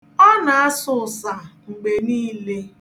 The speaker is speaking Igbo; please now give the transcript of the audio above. Ọ na-asa ụsa mgbe niile.